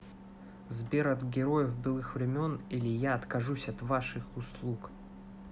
сбер от героев былых времен или я откажусь от вашей услуги